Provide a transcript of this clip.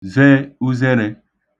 ze uzerē